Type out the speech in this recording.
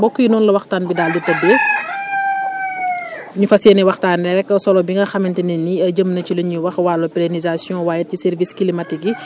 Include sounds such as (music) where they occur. mbokk yi noonu la waxtaan bi (noise) daal di tëddee (noise) ñu fas yéene waxtaanee solo bi nga xamante ne nii jëm na ci li ñuy wax wàllu pérénisation waaye ci services climatiques yi